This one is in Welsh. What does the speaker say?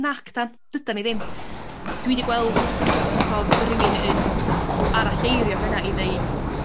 nac 'dan dydan ni ddim dwi 'di gweld s- sort of rywun yn aralleirio hwnna i ddeud